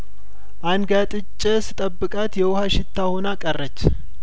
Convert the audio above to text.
አንጋጥጬ ስጠብቃት የውሀ ሽታ ሆና ቀረች